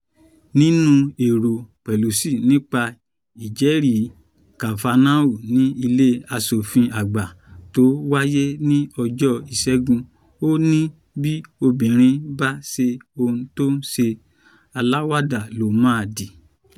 Nínú èrò Pelosi nípa ìjẹ́rìí Kavanaugh ní Ilé Aṣòfin Àgbà tó wáyé ní ọjọ Ìṣẹ́gun, ó ní “Bí obìnrin bá ṣe ohun tó ṣe, ‘aláwàdà’ ló máa dì.”